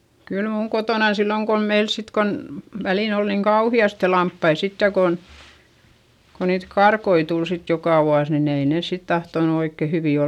kyllä minun kotonani silloin kun meillä sitten kun väliin oli niin kauheasti lampaita sitten kun kun niitä karkkoja tuli sitten joka vuosi niin ei ne sitten tahtonut oikein hyviä olla